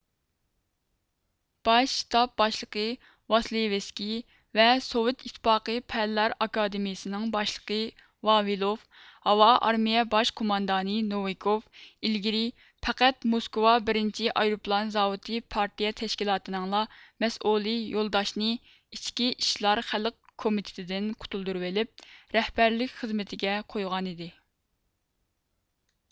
باش شتاب باشلىقى ۋاسلېيۋىسكىي ۋە سوۋېت ئىتتىپاقى پەنلەر ئاكادېمىيىسىنىڭ باشلىقى ۋاۋىلوف ھاۋا ئارمىيە باش قوماندانى نوۋىكوف ئىلگىرى پەقەت موسكۋا بىرىنچى ئايروپىلان زاۋۇتى پارتىيە تەشكىلاتىنىڭلا مەسئۇلى يولداشنى ئىچكى ئىشلار خەلق كومىتېتىدىن قۇتۇلدۇرۇۋېلىپ رەھبەرلىك خىزمىتىگە قويغانىدى